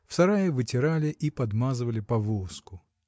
В сарае вытирали и подмазывали повозку.